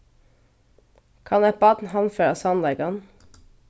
kann eitt barn handfara sannleikan